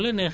waaw